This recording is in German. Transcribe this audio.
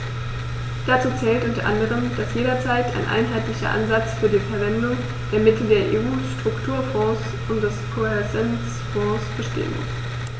Dazu zählt u. a., dass jederzeit ein einheitlicher Ansatz für die Verwendung der Mittel der EU-Strukturfonds und des Kohäsionsfonds bestehen muss.